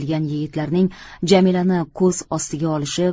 kelgan yigitlarning jamilani ko'z ostiga olishib